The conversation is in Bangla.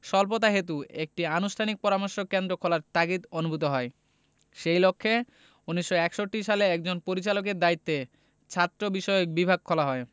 স্বল্পতাহেতু একটি আনুষ্ঠানিক পরামর্শ কেন্দ্র খোলার তাগিদ অনুভূত হয় সেই লক্ষ্যে ১৯৬১ সালে একজন পরিচালকের দায়িত্বে ছাত্রবিষয়ক বিভাগ খোলা হয়